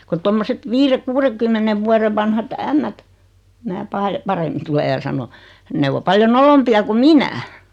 kun tuommoiset viiden kuudenkymmenen vuoden vanhat ämmät minä - paremmin tule ja sano ne on paljon nolompia kuin minä